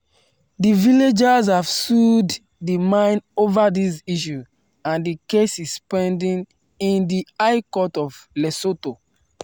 The villagers have sued the mine over this issue, and the case is pending in the High Court of Lesotho.